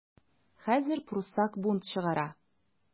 Хәзер пруссак бунт чыгара.